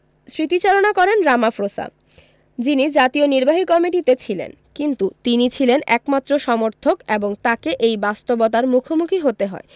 স্মৃতিচারণা করেন রামাফ্রোসা যিনি জাতীয় নির্বাহী কমিটিতে ছিলেন কিন্তু তিনি ছিলেন একমাত্র সমর্থক এবং তাঁকে এই বাস্তবতার মুখোমুখি হতে হয়